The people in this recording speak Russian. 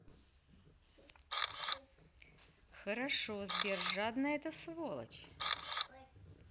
хорошо сбер жадное это сволочь